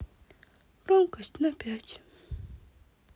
громкость на пять